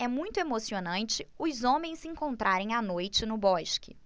é muito emocionante os homens se encontrarem à noite no bosque